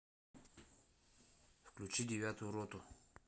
включи девятую роту